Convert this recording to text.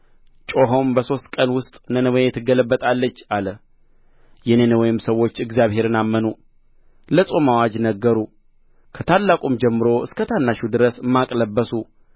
ጮኾም በሦስት ቀን ውስጥ ነነዌ ትገለበጣለች አለ የነነዌም ሰዎች እግዚአብሔርን አመኑ ለጾም አዋጅ ነገሩ ከታላቁም ጀምሮ እስከ ታናሹ ድረስ ማቅ ለበሱ